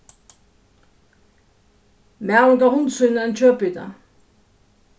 maðurin gav hundi sínum ein kjøtbita